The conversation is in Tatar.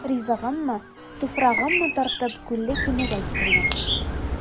Ризыгыммы, туфрагыммы тартып, Күлле Кимегә китергән.